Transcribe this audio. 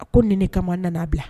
A ko ni kama nana bila